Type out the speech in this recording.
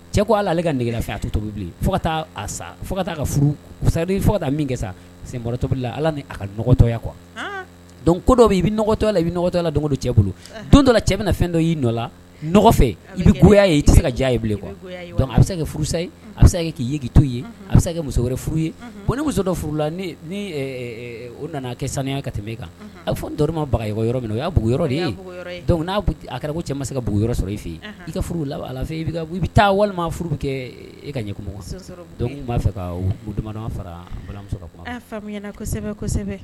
Cɛ ko ala ale ka nɛgɛge lafiya tobi bilen fo ka sa fo kasari fo min kɛ sa senkɔrɔ tobilila ala a katɔya kuwa dɔn ko dɔ bɛ i bɛtɔ la i bɛtɔ don cɛ bolo don dɔ cɛ bɛna na fɛn dɔ y'i nɔ la fɛ i bɛ ye i tɛ se ka diya ye bilen kuwa a bɛ se kɛ furu ye a bɛ se kɛ k'i ye' to ye a bɛ se kɛ muso wɛrɛ furu ye ko ni muso dɔ furu la o nana kɛ saniya ka tɛmɛ kan a bɛ fɔ n dɔrɔmabaga yɔrɔ yɔrɔ min o' b yɔrɔ de dɔnku n'a a kɛra cɛ ma se ka bugu yɔrɔ sɔrɔ i fɛ i furu ala fɛ i bɛ taa walima furu kɛ e ka ɲɛ tun b'a fɛ dama faramusosɛbɛsɛbɛ